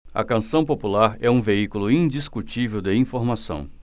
a canção popular é um veículo indiscutível de informação